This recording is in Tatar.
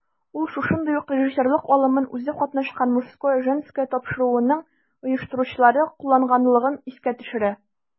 Ул шушындый ук режиссерлык алымын үзе катнашкан "Мужское/Женское" тапшыруының оештыручылары кулланганлыгын искә төшерә.